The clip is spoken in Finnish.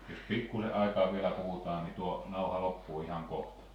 jos pikkuisen aikaa vielä puhutaan niin tuo nauha loppuu ihan kohta